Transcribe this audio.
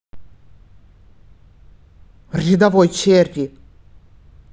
рядовой черри